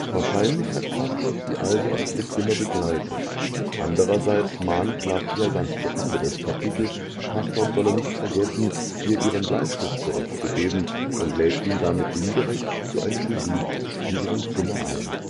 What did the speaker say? wahrscheinlich hat Castorp sie also auf ihr Zimmer begleitet. Andererseits mahnt Clawdia ganz zum Ende des Kapitels, Castorp solle nicht vergessen, ihr ihren Bleistift zurückzugeben und lädt ihn damit indirekt zu einem Besuch in ihrem Zimmer ein